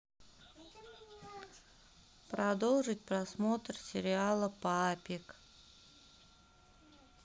продолжить просмотр сериала папик